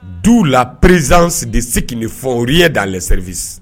D'où la présence de ceux qui ne font rien dans les services